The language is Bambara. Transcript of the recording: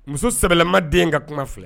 Muso sɛbɛlama den ka kuma filɛ.